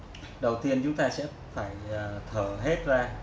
đầu tiên chúng ta phải thở hết hơi cũ ra